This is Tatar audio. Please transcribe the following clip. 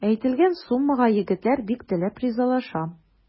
Әйтелгән суммага егетләр бик теләп ризалаша.